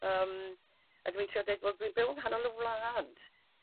Yym a dwi'n trio deud wel dwi'n byw yng nghanol y wlad.